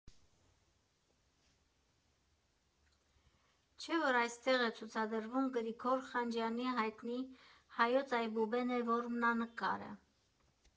Չէ՞ որ այստեղ է ցուցադրվում Գրիգոր Խանջյանի հայտնի «Հայոց այբուբենը» որմնանկարը։